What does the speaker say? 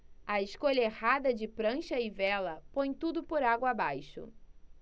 a escolha errada de prancha e vela põe tudo por água abaixo